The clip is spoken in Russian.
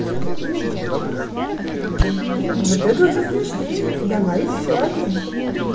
вот это уже смешней давай еще один